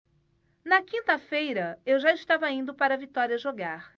na quinta-feira eu já estava indo para vitória jogar